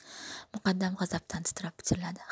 muqaddam g'azabdan titrab pichiriadi